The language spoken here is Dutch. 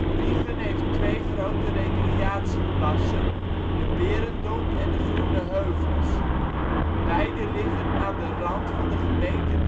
Wijchen heeft twee grote recreatieplassen: De Berendonck en De Groene Heuvels. Beide liggen aan de rand van de gemeente